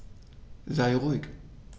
Sei ruhig.